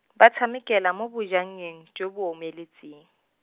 ba tshamekela mo bojannye eng, jo bo omeletseng.